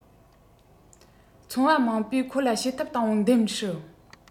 ཚོང པ མང པོས ཁོ ལ བྱེད ཐབས དང པོ འདེམས སྲིད